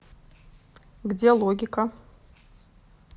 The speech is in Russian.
где логика